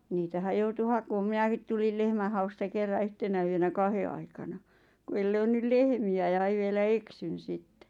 niitähän joutui hakemaan minäkin tulin lehmänhausta kerran yhtenä yönä kahden aikana kun ei löytynyt lehmiä ja ai vielä eksyin sitten